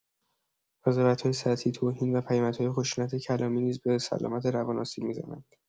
قضاوت‌های سطحی، توهین و پیامدهای خشونت کلامی نیز به سلامت روان آسیب می‌زنند.